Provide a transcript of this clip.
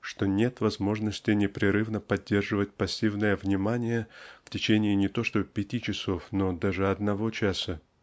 что нет возможности непрерывно поддерживать пассивное внимание в течение не то что пяти часов но даже одного часа.